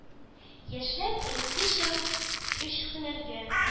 Яшьләр элеккечә үк өч һөнәргә